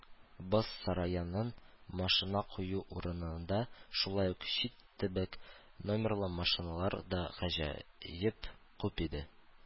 Боз сараеның машина кую урынында шулай ук чит төбәк номерлы машиналар да гаҗәеп күп иде.